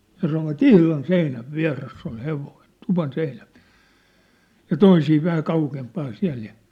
ja sanoivat ihan seinän vieressä oli hevonen tuvan seinän vieressä ja toisia vähän kauempana siellä ja